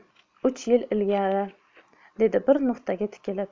uch yil ilgari dedi bir nuqtaga tikilib